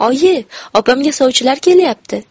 oyi opamga sovchilar kelyapti